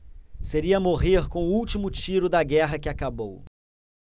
seria morrer com o último tiro da guerra que acabou